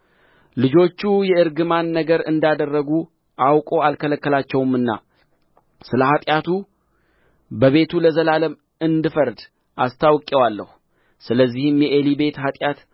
ልጆቹ የእርግማን ነገር እንዳደረጉ አውቆ አልከለከላቸውምና ስለ ኃጢአቱ በቤት ለዘላለም እንድፈርድ አስታውቄዋለሁ ስለዚህም የዔሊ ቤት ኃጢአት